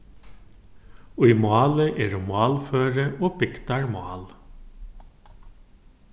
í máli eru málføri og bygdarmál